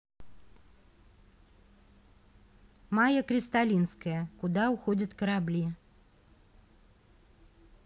майя кристалинская куда уходят корабли